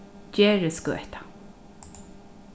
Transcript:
gerðisgøta